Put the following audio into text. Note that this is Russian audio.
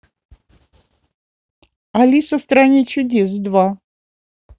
алиса в стране чудес два